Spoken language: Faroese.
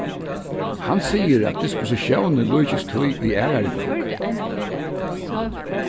hann sigur at dispositiónin líkist tí í aðrari bók